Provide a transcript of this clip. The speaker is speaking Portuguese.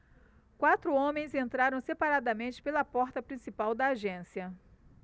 quatro homens entraram separadamente pela porta principal da agência